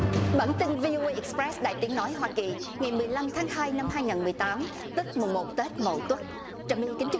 bản tin vi ô ây ịch pét đài tiếng nói hoa kỳ ngày mười lăm tháng hai năm hai nghìn mười tám tức mồng một tết mậu tuất trà my kính chúc